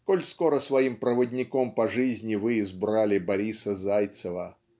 коль скоро своим проводником по жизни вы избрали Бориса Зайцева